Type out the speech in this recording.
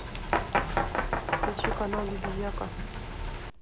включи канал бибизяка